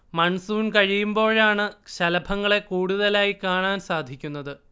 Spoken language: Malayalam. മൺസൂൺ കഴിയുമ്പോഴാണ് ശലഭങ്ങളെ കൂടുതലായി കാണാൻ സാധിക്കുന്നത്